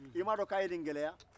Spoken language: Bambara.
i m'a dɔn ko a ye nin gɛlɛya